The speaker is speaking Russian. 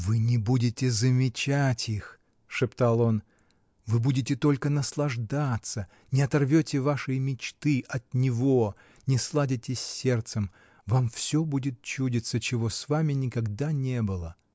— Вы не будете замечать их, — шептал он, — вы будете только наслаждаться, не оторвете вашей мечты от него, не сладите с сердцем, вам всё будет чудиться, чего с вами никогда не было.